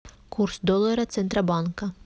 курс доллара центробанка